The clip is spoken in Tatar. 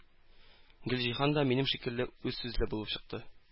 Гөлҗиһан да минем шикелле үзсүзле булып чыкты.